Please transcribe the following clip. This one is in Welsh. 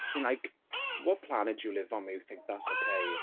sy'n like, what planet do you live on where you think that's okay?